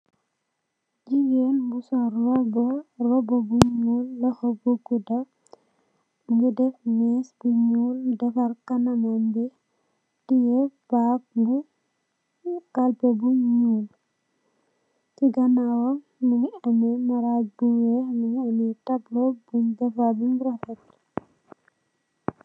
Jigen bu sol robu, robu bu nul, loho bu gudu, mungi def mes bu nul, defar kanamam bi, mungii tiye kalpe bu nul, ci ganawam mungi ame maraj bu weex, mungi ame tableau bunj defar bam rafet.